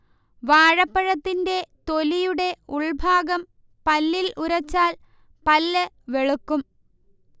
വാഴപ്പഴത്തിന്റെ തൊലിയുടെ ഉൾഭാഗം പല്ലിൽ ഉരച്ചാൽ പല്ല് വെളുക്കും